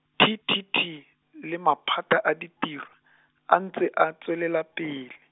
T T T, le maphata a ditiro, a ntse a tswelela pele.